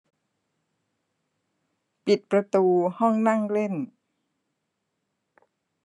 ปิดประตูห้องนั่งเล่น